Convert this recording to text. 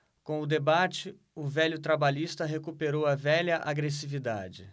com o debate o velho trabalhista recuperou a velha agressividade